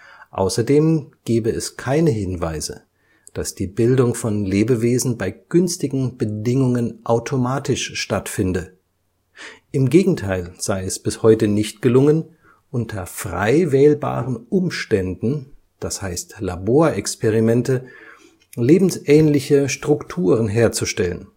Außerdem gebe es keine Hinweise, dass die Bildung von Lebewesen bei günstigen Bedingungen automatisch stattfinde; im Gegenteil sei es bis heute nicht gelungen, unter frei wählbaren Umständen (Laborexperimente) lebensähnliche Strukturen herzustellen